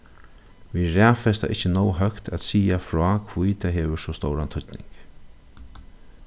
vit raðfesta ikki nóg høgt at siga frá hví tað hevur so stóran týdning